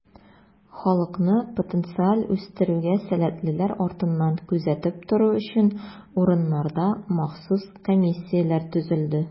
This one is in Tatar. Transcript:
Халыкны потенциаль үстерүгә сәләтлеләр артыннан күзәтеп тору өчен, урыннарда махсус комиссияләр төзелде.